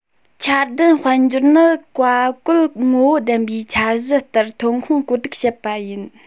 འཆར ལྡན དཔལ འབྱོར ནི བཀའ བཀོད ངོ བོ ལྡན པའི འཆར གཞི ལྟར ཐོན ཁུངས བཀོད སྒྲིག བྱེད པ ཡིན